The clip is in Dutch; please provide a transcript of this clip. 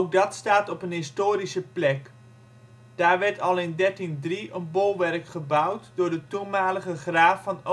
dat staat op een historische plek. Daar werd al in 1303 een bolwerk gebouwd door de toenmalige Graaf van Oost-Friesland